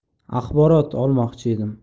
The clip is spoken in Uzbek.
axborot olmoqchi edim